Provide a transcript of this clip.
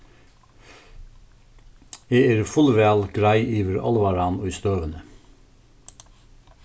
eg eri fullvæl greið yvir álvaran í støðuni